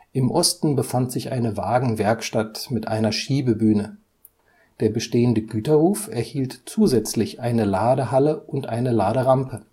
Im Osten befand sich eine Wagenwerkstatt mit einer Schiebebühne; der bestehende Güterhof erhielt zusätzlich eine Ladehalle und eine Laderampe